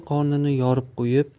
qornini yorib qo'yib